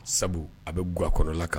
Sabu a bɛ g gakɔrɔla kan